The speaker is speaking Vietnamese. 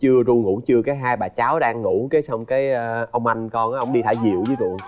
chưa ru ngủ chưa cái hai bà cháu đang ngủ cái xong cái a ông anh con á ông ấy đi thả diều dưới ruộng